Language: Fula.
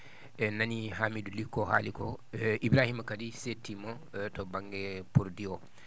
en nanii Hamidou Ly ko haali koo e Ibrahima kadi seettiima to ba?nge produit o